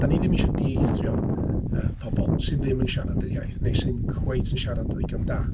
Dan ni ddim isho dieithrio yy pobl sydd ddim yn siarad yr iaith, neu sydd ddim cweit yn siarad o yn ddigon da.